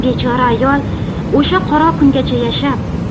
bechora ayol o'sha qora kungacha yashab